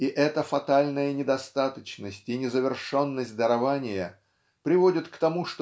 И эта фатальная недостаточность и незавершенность дарования приводят к тому